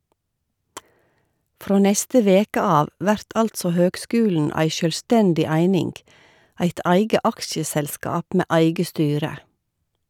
Frå neste veke av vert altså høgskulen ei sjølvstendig eining, eit eige aksjeselskap med eige styre.